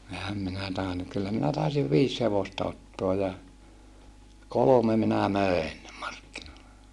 enhän minä tainnut kyllä minä taisin viisi hevosta ottaa ja kolme minä möin markkinoille